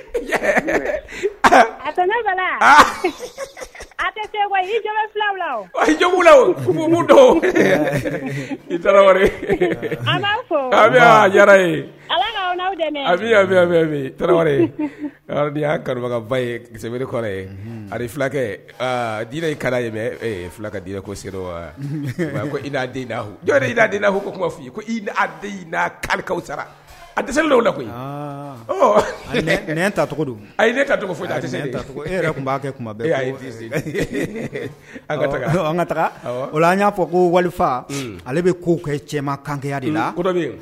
Denyaba ye geseri kɔrɔ yekɛ kala fulaka di ko fɔ ikaw sara a dɛsɛselaw o la koyi ta tɔgɔ don a ne ka tɔgɔ e yɛrɛ tun b'a kɛ kuma an ka taga ola an y'a fɔ ko walifa ale bɛ ko kɛ cɛ kanya de la ko dɔ